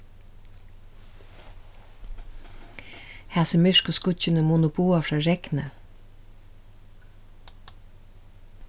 hasi myrku skýggini munnu boða frá regni